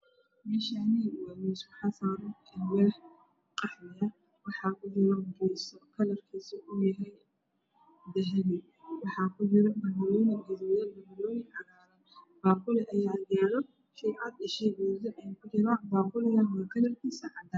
Meeshaan waa miis waxaa saaran alwaax qaxwi ah waxaa kujiro biidso dahabi ah. Waxaa kujiro mirooyin gaduudan iyo mirooyin cagaaran. Baaquli ayaa agyaalo shay cad iyo shay gaduudan kujiro.